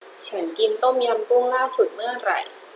ฉันกินต้มยำกุ้งล่าสุดเมื่อไหร่